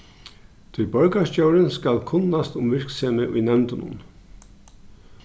tí borgarstjórin skal kunnast um virksemið í nevndunum